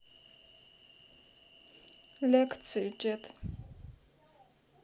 лекции тет